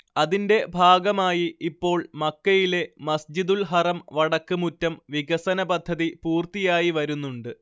അതിന്റെ ഭാഗമായി ഇപ്പോൾ മക്കയിലെ മസ്ജിദുൽ ഹറം വടക്ക് മുറ്റം വികസനപദ്ധതി പൂർത്തിയായി വരുന്നുണ്ട്